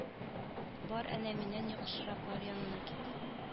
Бар әнә миннән яхшыраклар янына кит